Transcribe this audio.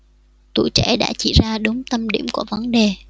tuổi trẻ đã chỉ ra đúng tâm điểm của vấn đề